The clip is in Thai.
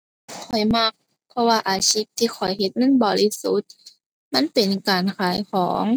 ข้อยมักเพราะว่าอาชีพที่ข้อยเฮ็ดมันบริสุทธิ์ มันเป็นการขายของ